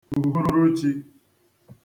ùhuruchī